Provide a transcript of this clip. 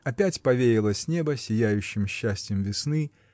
Опять повеяло с неба сияющим счастьем весны